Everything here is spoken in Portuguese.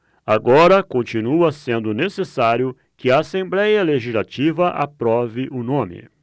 agora continua sendo necessário que a assembléia legislativa aprove o nome